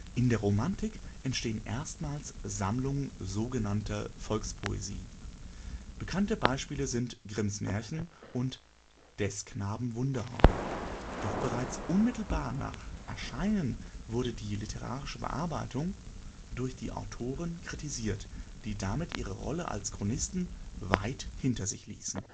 In der Romantik entstehen erstmals Sammlungen sogenannter Volkspoesie. Bekannteste Beispiele sind Grimms Märchen und Des Knaben Wunderhorn. Doch bereits unmittelbar nach Erscheinen wurde die literarische Bearbeitung (Schönung) durch die Autoren kritisiert, die damit ihre Rolle als Chronisten weit hinter sich ließen